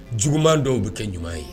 Juguman dɔw bɛ kɛ ɲuman ye